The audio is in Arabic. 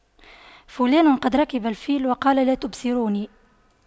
فلان قد ركب الفيل وقال لا تبصروني